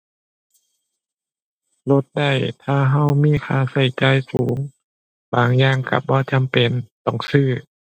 ลดได้ถ้าเรามีค่าเราจ่ายสูง บางอย่างเราบ่จำเป็นต้องซื้อ